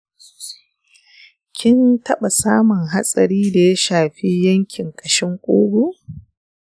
kin taɓa samun hatsari da ya shafi yankin ƙashin ƙugu?